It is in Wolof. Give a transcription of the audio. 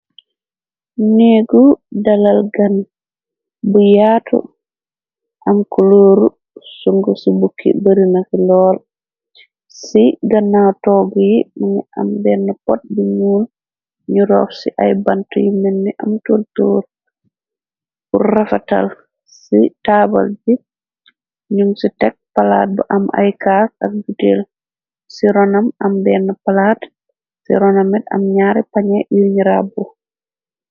neegu dalal gan bu yaatu am kulooru sungu ci bukki bëri nai lool ci ganna togg yi mëngi am benn pot bi ñuul ñu roof ci ay bant yu menni am tortoor bu rafatal ci taabal bi ñuŋ ci tekk palaat bu am ay kaas ak buteel ci ronam am benn palaat ci ronamit am ñaari pañe yuñ rabbu.